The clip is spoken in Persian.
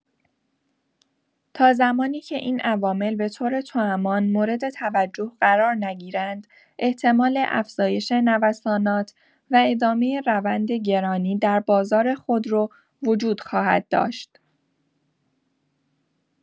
تا زمانی که این عوامل به‌طور توأمان مورد توجه قرار نگیرند، احتمال افزایش نوسانات و ادامه روند گرانی در بازار خودرو وجود خواهد داشت.